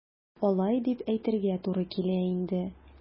Алай дип әйтергә туры килә инде.